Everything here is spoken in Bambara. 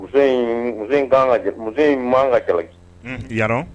Muso muso in man ka kɛlɛ